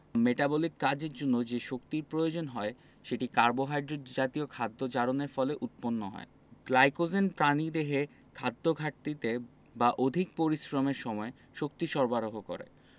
Metabolic কাজের জন্য যে শক্তির প্রয়োজন হয় সেটি কার্বোহাইড্রেট জাতীয় খাদ্য জারণের ফলে উৎপন্ন হয় গ্লাইকোজেন প্রাণীদেহে খাদ্যঘাটতিতে বা অধিক পরিশ্রমের সময় শক্তি সরবরাহ করে